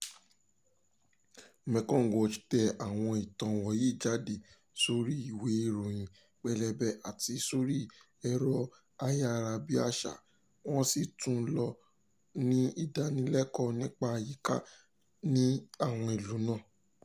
Mekong Watch tẹ àwọn ìtàn wọ̀nyí jáde sórí ìwé ìròyìn pélébé àti sórí ẹ̀rọ ayárabíàṣá, wọ́n sì tún lò ó ní ìdánilẹ́kọ̀ọ́ nípa àyíká ní àwọn ìlú náà.